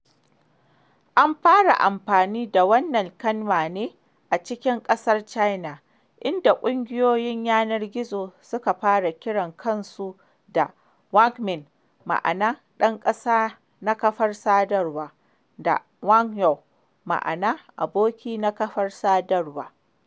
An fara amfani da wannan kalma ne a cikin ƙasar China, inda ƙungiyoyin yanar gizo suka fara kiran kansu da wǎngmín (网民, ma’ana “ɗan ƙasa na kafar sadarwa”) da wǎngyǒu (网友, ma’ana “aboki na kafar sadarwa”).